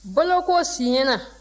boloko siɲɛna